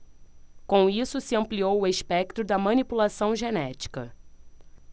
com isso se ampliou o espectro da manipulação genética